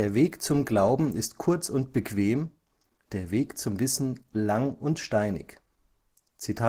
Weg zum Glauben ist kurz und bequem, der Weg zum Wissen lang und steinig. “Die